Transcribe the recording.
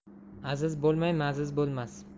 aziz bo'lmay maziz bo'lmas